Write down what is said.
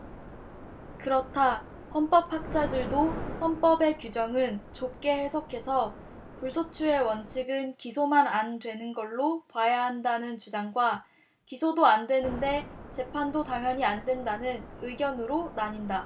그렇다 헌법학자들도 헌법의 규정은 좁게 해석해서 불소추의 원칙은 기소만 안 되는 걸로 봐야 한다는 주장과 기소도 안 되는 데 재판도 당연히 안 된다는 의견으로 나뉜다